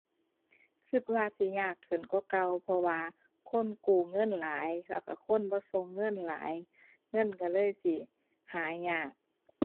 คิดว่าสิยากขึ้นกว่าเก่า เพราะว่าคนกู้เงินหลายแล้วคิดคนบ่ส่งเงินหลาย เงินคิดเลยสิหายาก